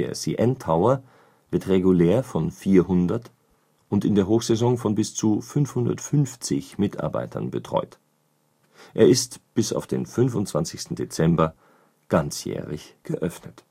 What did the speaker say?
CN Tower wird regulär von 400 und in der Hochsaison von bis zu 550 Mitarbeitern betreut. Er ist bis auf den 25. Dezember ganzjährig geöffnet